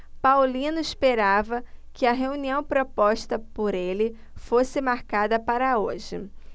paulino esperava que a reunião proposta por ele fosse marcada para hoje